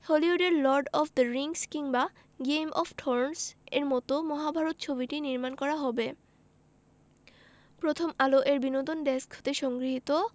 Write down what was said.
হলিউডের lord of the rings কিংবা game of thrones এর মতো করে মহাভারত ছবিটি নির্মাণ করা হবে প্রথমআলো এর বিনোদন ডেস্ক হতে সংগৃহীত